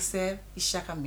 C'est chaque année